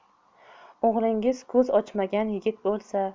o'g'lingiz ko'z ochmagan yigit bo'lsa